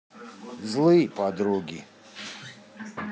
злые подруги